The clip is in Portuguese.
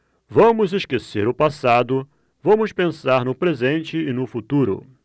vamos esquecer o passado vamos pensar no presente e no futuro